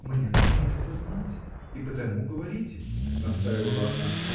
— Мне нужно это знать — и потому говорите! — настаивала она.